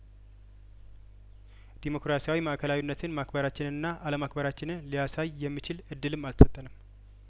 ዴሞክራሲያዊ ማእከላዊነትን ማክበራችንንና አለማክበራችንን ሊያሳይ የሚችል እድልም አልተሰጠንም